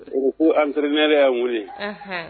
U ko entraineur y'an wele; Anhan.